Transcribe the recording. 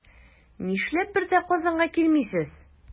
Нишләп бер дә Казанга килмисез?